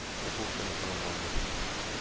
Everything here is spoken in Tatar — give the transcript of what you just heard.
Уку көне тәмамланды